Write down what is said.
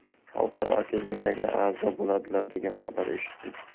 xalqaro akademiyaga a'zo bo'ladilar degan xabar eshitdik